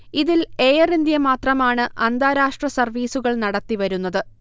ഇതിൽ Air India മാത്രമാണ് അന്താരാഷ്ട്ര സർവീസുകൾ നടത്തി വരുന്നത്